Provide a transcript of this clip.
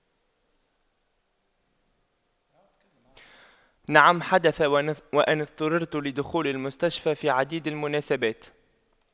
نعم حدث و وان اضطررت لدخول المستشفى في عديد المناسبات